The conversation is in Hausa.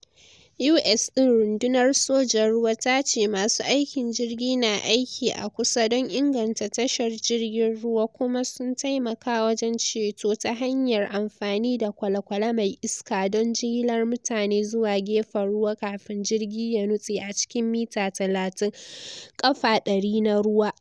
U.S din. Rundunar sojan ruwa ta ce masu aikin jirgi na aiki a kusa don inganta tashar jirgin ruwa kuma sun taimaka wajen ceto ta hanyar amfani da kwale-kwale mai iska don jigilar mutane zuwa gefen ruwa kafin jirgi ya nutse a cikin mita 30 (feet 100) na ruwa.